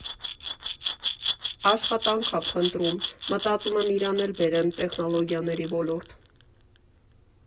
Աշխատանք ա փնտրում, մտածում եմ իրան էլ բերեմ տեխնոլոգիաների ոլորտ։